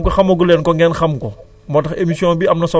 waa léegi nag xam nga occasion la tay jii